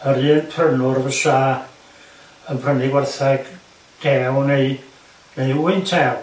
Yr un prynwr fysa yn prynu gwertheg dew neu neu wŷn tew.